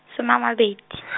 soma a mabedi.